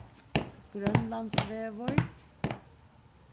grønlandsvegur